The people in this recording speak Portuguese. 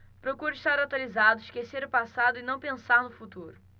procuro estar atualizado esquecer o passado e não pensar no futuro